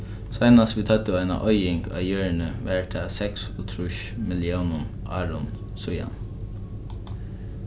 seinast vit høvdu eina oyðing á jørðini var tað fyri seksogtrýss milliónum árum síðan